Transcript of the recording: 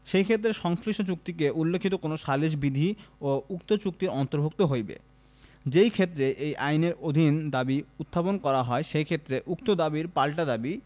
সেই ক্ষেত্রে সংশ্লিষ্ট চুক্তিতে উল্লেখিত কোন সালিস বিধিও উক্ত চুক্তির অন্তর্ভুক্ত হইবে যেইক্ষেত্রে এই আইনের অধীন দাবী উত্থাপন করা হয় সেইক্ষেত্রে উক্ত দাবীর পাল্টা দাবী